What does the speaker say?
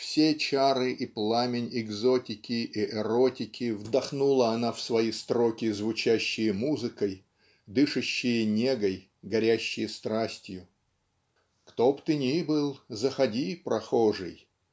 Все чары и пламень экзотики и эротики вдохнула она в свои строки звучащие музыкой дышащие негой горящие страстью. "Кто б ты ни был, заходи, прохожий",